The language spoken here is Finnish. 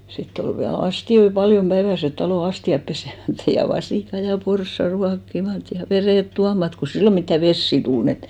sitten oli vielä astioita paljon päiväiset talon astiat pesemättä ja vasikat ja porsaat ruokkimatta ja vedet tuomatta kun silloin mitään vesiä tullut niin että